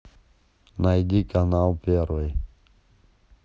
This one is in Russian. найди канал первый